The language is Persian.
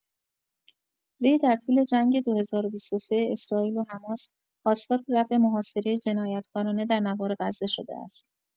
وی در طول جنگ ۲۰۲۳ اسرائیل و حماس، خواستار رفع محاصره جنایتکارانه در نوار غزه شده است.